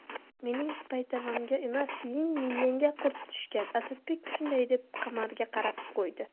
mening paytavamga emas sening miyangga qurt tushgan asadbek shunday deb qamaraga qarab qo'ydi